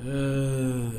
Un